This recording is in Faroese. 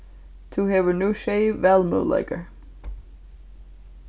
tú hevur nú sjey valmøguleikar